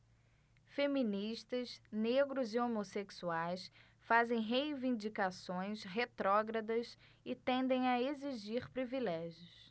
feministas negros e homossexuais fazem reivindicações retrógradas e tendem a exigir privilégios